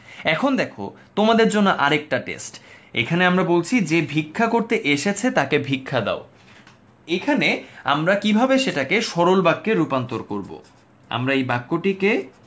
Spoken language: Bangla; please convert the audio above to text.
এখন দেখো তোমাদের জন্য আরেকটা টেস্ট এখানে আমরা বলছি যে ভিক্ষা করতে এসেছে তাকে ভিক্ষা দাও এখানে আমরা কিভাবে সেটাকে সরল বাক্যে রূপান্তর করব আমরা এই বাক্যটিকে